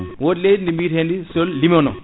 wodi leydi ndi biyatedi sol lumineux